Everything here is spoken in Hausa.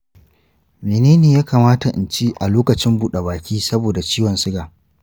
mene ne ya kamata in ci a lokacin buɗe-baki saboda ciwon suga?